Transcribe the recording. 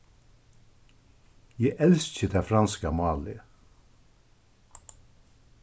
eg elski tað franska málið